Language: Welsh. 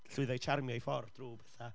llwyddo i tsarmio ei ffordd drwy petha